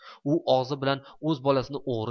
o'z og'zi bilan o'z bolasini o'g'ri